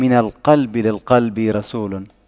من القلب للقلب رسول